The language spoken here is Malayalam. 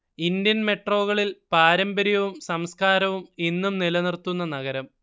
ഇന്ത്യൻ മെട്രോകളിൽ പാരമ്പര്യവും സംസ്കാരവും ഇന്നും നിലനിർത്തുന്ന നഗരം